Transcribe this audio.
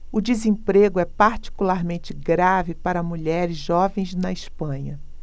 o desemprego é particularmente grave para mulheres jovens na espanha